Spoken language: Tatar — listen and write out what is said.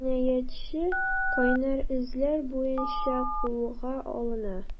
Җинаятьче “кайнар эзләр” буенча кулга алына.